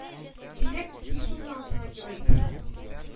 Димәк, тиеш булмаган сиңа Герой исеме